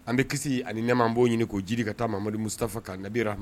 An bɛ kisi ani nɛma bo ɲini k'o jiri ka taamadu mustafa ka nabilara